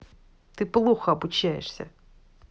ты плохо обучаешься